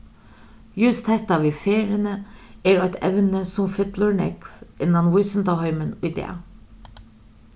júst hetta við ferðini er eitt evni sum fyllir nógv innan vísindaheimin í dag